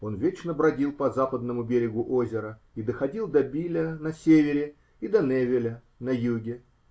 Он вечно бродил по западному берегу озера и доходил до Биля на севере и до Неввиля на юге.